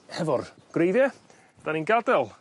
hefo'r gwreiddie 'dan ni'n gad'el